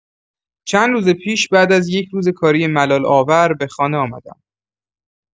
چند روز پیش بعد از یک روز کاری ملال‌آور به خانه آمدم.